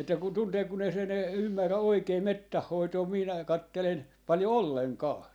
että kun tuntee kun ei se ne ymmärrä oikein metsän hoitoa minä katselen paljon ollenkaan